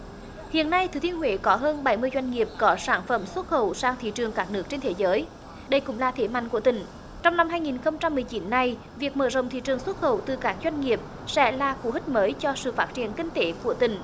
hiện nay thừa thiên huế có hơn bảy mươi doanh nghiệp có sản phẩm xuất khẩu sang thị trường các nước trên thế giới đây cũng là thế mạnh của tỉnh trong năm hai nghìn không trăm mười chín này việc mở rộng thị trường xuất khẩu từ cả chuyên nghiệp sẽ là cú hích mới cho sự phát triển kinh tế của tỉnh